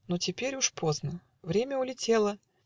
"Но теперь Уж поздно; время улетело.